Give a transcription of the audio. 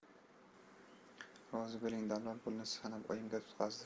rozi bo'ling dallol pulni sanab oyimga tutqazdi